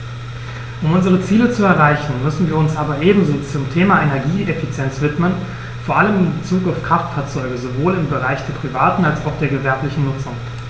Um unsere Ziele zu erreichen, müssen wir uns aber ebenso dem Thema Energieeffizienz widmen, vor allem in Bezug auf Kraftfahrzeuge - sowohl im Bereich der privaten als auch der gewerblichen Nutzung.